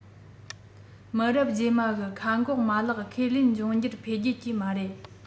མི རབས རྗེས མ གི མཁའ འགོག མ ལག ཁས ལེན འབྱུང འགྱུར འཕེལ རྒྱས ཀྱི མ རེད